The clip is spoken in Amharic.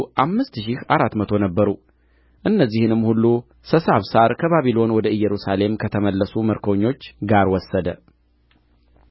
አምስት ሺህ አራት መቶ ነበሩ እነዚህንም ሁሉ ሰሳብሳር ከባቢሎን ወደ ኢየሩሳሌም ከተመለሱ ምርኮኞቹ ጋር ወሰደ